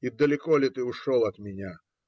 И далеко ли ты ушел от меня?